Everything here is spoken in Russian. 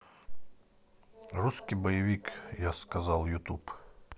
русский боевик я сказал ютуб